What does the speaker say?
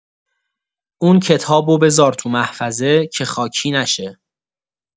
اون کتابو بذار تو محفظه که خاکی نشه.